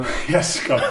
Iesgob!